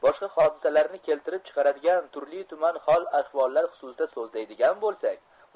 boshqa hodisalarni keltirib chiqaradigan turli tuman hol ahvollar xususida so'zlaydigan bo'lsak